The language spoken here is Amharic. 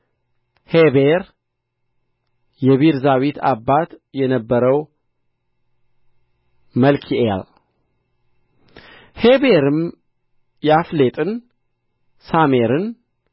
ሔቤር የቢርዛዊት አባት የነበረው መልኪኤል ሔቤርም ያፍሌጥን ሳሜንር